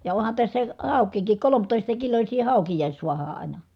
ja onhan tässä haukiakin kolmetoista kiloisia haukiakin saadaan aina